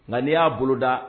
Na y'a bolo da